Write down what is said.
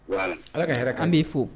Ala ka hɛrɛkan b'i fo